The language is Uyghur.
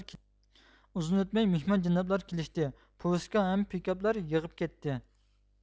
ئۇزۇن ئۆتمەي مېھمان جاناپلار كېلشتى پوۋۈسكا ھەم پىكاپلار يېغىپ كەتتى